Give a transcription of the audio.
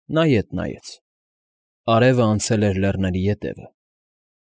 Նա ետ նայեց. արևը անցել էր լեռների ետևը։